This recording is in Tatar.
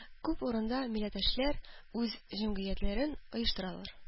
Күп урында милләттәшләр үз җәмгыятьләрен оештыралар